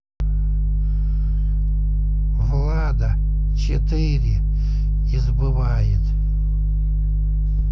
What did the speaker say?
влада четыре избывает